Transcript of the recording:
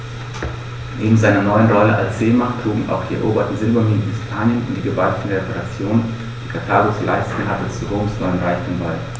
Neben seiner neuen Rolle als Seemacht trugen auch die eroberten Silberminen in Hispanien und die gewaltigen Reparationen, die Karthago zu leisten hatte, zu Roms neuem Reichtum bei.